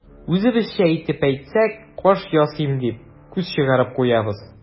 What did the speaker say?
Үзебезчә итеп әйтсәк, каш ясыйм дип, күз чыгарып куябыз.